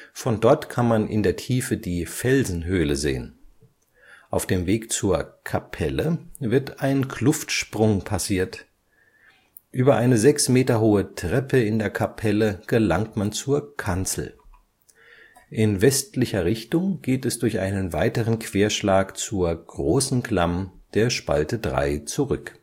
Von dort kann man in der Tiefe die Felsenhöhle sehen. Auf dem Weg zur Kapelle wird ein Kluftsprung passiert. Über eine sechs Meter hohe Treppe in der Kapelle gelangt man zur Kanzel. In westlicher Richtung geht es durch einen weiteren Querschlag zur Großen Klamm der Spalte 3 zurück